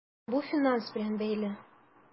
Бу финанс белән бәйле.